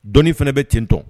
Dɔnnin fana bɛ ten tɔ